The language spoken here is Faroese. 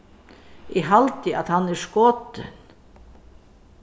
eg haldi at hann er skotin